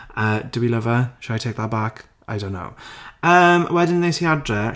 Yy do we love her? Should I take that back? I don't know. Yym wedyn es i adre...